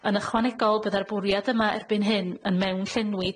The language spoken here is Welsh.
Yn ychwanegol bydda'r bwriad yma erbyn hyn yn mewnllenwi